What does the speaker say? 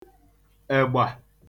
ègbà